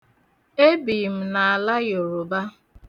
Ebi m n'ala Yoroba.